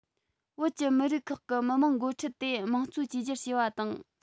བོད ཀྱི མི རིགས ཁག གི མི དམངས འགོ ཁྲིད དེ དམངས གཙོའི བཅོས སྒྱུར བྱས པ དང